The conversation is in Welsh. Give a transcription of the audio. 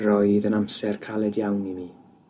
Roedd yn amser caled iawn i mi.